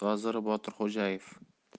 vaziri botir xo'jayev